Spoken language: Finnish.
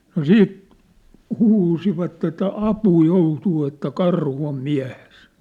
no sitten huusivat että apuun joutuu että karhu on miehessä